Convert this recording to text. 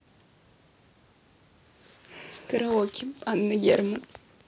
караоке анна герман